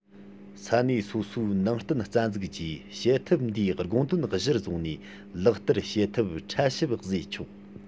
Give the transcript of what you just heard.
ས གནས སོ སོའི ནང བསྟན རྩ འཛུགས ཀྱིས བྱེད ཐབས འདིའི དགོངས དོན གཞིར བཟུང ནས ལག བསྟར བྱེད ཐབས ཕྲ ཞིབ བཟོས ཆོག